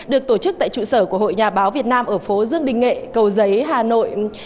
được tổ chức tại trụ sở của hội nhà báo việt nam ở phố dương đình nghệ cầu giấy hà nội